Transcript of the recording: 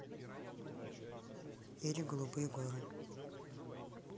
или голубые горы